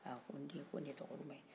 ah ko den ko nin ye tɔgɔ duman ye